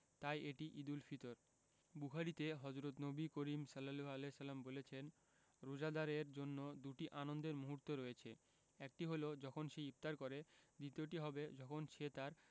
তাই এটি ঈদুল ফিতর বুখারিতে হজরত নবী করিম সা বলেছেন রোজাদারের জন্য দুটি আনন্দের মুহূর্ত রয়েছে একটি হলো যখন সে ইফতার করে দ্বিতীয়টি হবে যখন সে তাঁর